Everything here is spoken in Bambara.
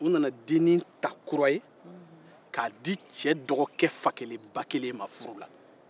u nana dennin ta kura ye k'a di cɛ dɔgɔkɛ fa kelen ba kelen ma furu la